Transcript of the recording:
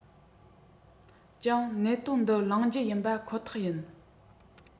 ཀྱང གནད དོན འདི གླེང རྒྱུ ཡིན པ ཁོ ཐག ཡིན